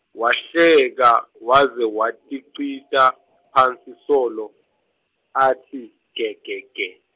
Wahleka, waze watigicita phansi solo, atsi, gegege.